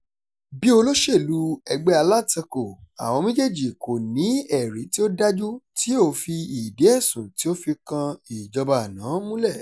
Bí olóṣèlú ẹgbẹ́ alátakò, àwọn méjèèjì kò ní ẹ̀rí tí ó dájú tí yóò fi ìdí ẹ̀sùn tí ó fi kan ìjọba àná múlẹ̀.